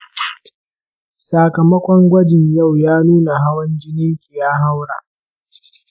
sakamakon gwajin yau ya nuna hawan jininki ya haura